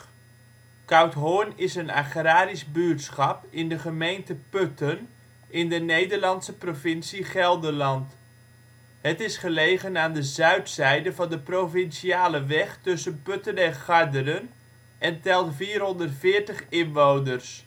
Koudhoorn is een agrarisch buurtschap in de gemeente Putten, in de Nederlandse provincie Gelderland. Het is gelegen aan de zuidzijde van de provinciale weg tussen Putten en Garderen, en telt 440 inwoners